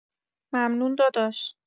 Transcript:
ممنون داداش